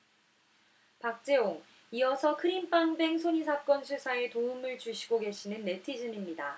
박재홍 이어서 크림빵 뺑소니 사건 수사에 도움을 주시고 계시는 네티즌입니다